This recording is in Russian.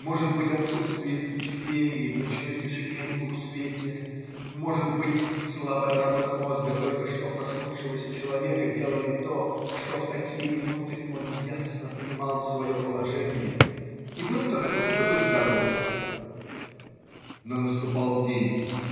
Может быть, отсутствие впечатлений в ночной тишине и полусвете, может быть, слабая работа мозга только что проснувшегося человека делали то, что в такие минуты он ясно понимал свое положение и был как будто бы здоров. Но наступал день